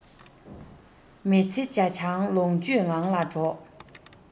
མི ཚེ ཇ ཆང ལོངས སྤྱོད ངང ལ འགྲོ